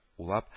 Улап